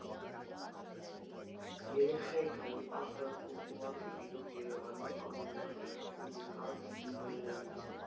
Երեխեք, ախր պուլպուլակը իրոք Երևանի ամենաունիկալ սիմվոլներից ա։